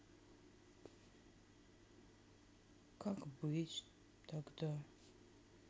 как быть тогда